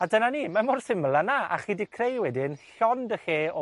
A dyna ni, mae mor syml â 'na. A chi 'di creu wedyn llond y lle o